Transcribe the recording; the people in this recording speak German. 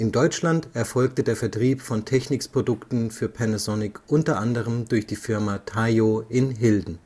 Deutschland erfolgte der Vertrieb von Technics-Produkten für Panasonic u. a. durch die Firma Taiyo in Hilden